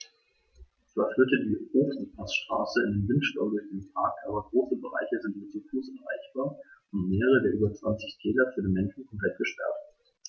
Zwar führt die Ofenpassstraße in den Vinschgau durch den Park, aber große Bereiche sind nur zu Fuß erreichbar und mehrere der über 20 Täler für den Menschen komplett gesperrt.